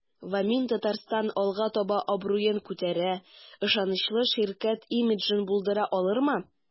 "вамин-татарстан” алга таба абруен күтәрә, ышанычлы ширкәт имиджын булдыра алырмы?